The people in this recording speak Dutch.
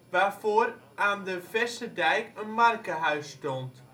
waarvoor aan de Verschedijk een markehuis stond